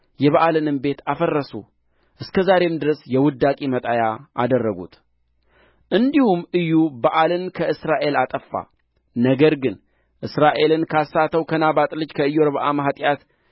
የበኣልንም ቤት አፈረሱ እስከ ዛሬም ድረስ የውዳቂ መጣያ አደረጉት እንዲሁም ኢዩ በኣልን ከእስራኤል አጠፋ ነገር ግን እስራኤልን ካሳተው ከናባጥ ልጅ ከኢዮርብዓም ኃጢአት